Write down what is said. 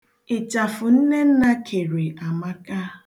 Ịchafụ Nnenna kere amaka.